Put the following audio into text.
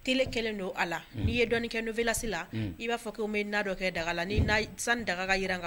Télé kɛlen don a la. N'i ye dɔɔnin kɛ NOVELAS la. Un! I b'a fɔ ko n bɛ na dɔ kɛ daga la, ni na, sani daga ka jiran